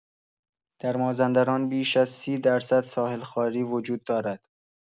در مازندران بیش از ۳۰ درصد ساحل خواری وجود دارد.